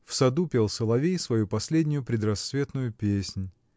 В саду пел соловей свою последнюю, передрассветную песнь.